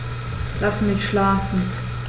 Lass mich schlafen